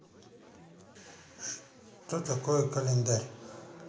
что такое календарь